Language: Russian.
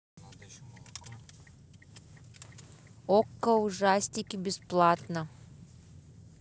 окко ужастики бесплатно